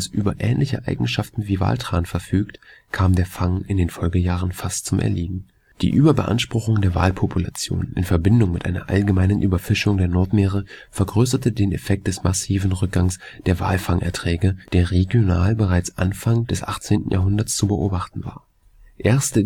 über ähnliche Eigenschaften wie Waltran verfügt, kam der Fang in den Folgejahren fast zum Erliegen. Die Überbeanspruchung der Walpopulationen in Verbindung mit einer allgemeinen Überfischung der Nordmeere vergrößerte den Effekt des massiven Rückgangs der Walfangerträge, der regional bereits Anfang des 18. Jahrhunderts zu beobachten war. Erst